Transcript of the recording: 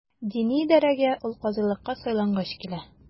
Дини идарәгә ул казыйлыкка сайлангач килә.